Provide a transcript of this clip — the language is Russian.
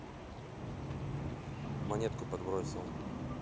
монетку подбросил